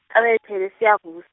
ngabelethelwa eSiyabus-.